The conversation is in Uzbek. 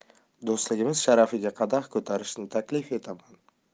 do'stligimiz sharafiga qadah ko'tarishni taklif etaman